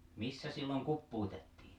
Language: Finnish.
missä silloin kuppuutettiin